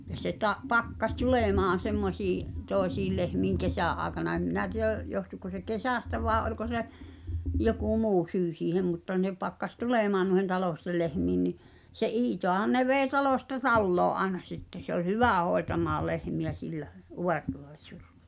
ja se - pakkasi tulemaan semmoisiin toisiin lehmiin kesän aikana en minä tiedä johtuiko se kesästä vai oliko se joku muu syy siihen mutta ne pakkasi tulemaan noiden talollisten lehmiin niin se Iitaahan ne vei talosta taloon aina sitten se oli hyvä hoitamaan lehmiä sillä -